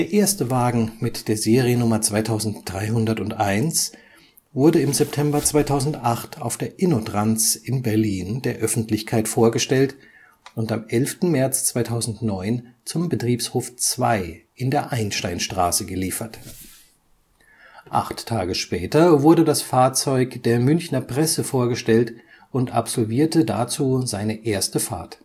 erste Wagen mit der Seriennummer 2301 wurde im September 2008 auf der InnoTrans in Berlin der Öffentlichkeit vorgestellt und am 11. März 2009 zum Betriebshof 2 in der Einsteinstraße geliefert. Acht Tage später wurde das Fahrzeug der Münchner Presse vorgestellt und absolvierte dazu seine erste Fahrt